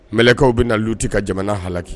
Mkaw bɛna na luti ka jamana haki